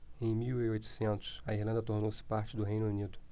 em mil e oitocentos a irlanda tornou-se parte do reino unido